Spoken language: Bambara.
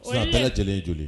Ko taara lajɛlen ye joli